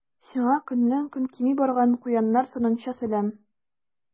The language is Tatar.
Сиңа көннән-көн кими барган куяннар санынча сәлам.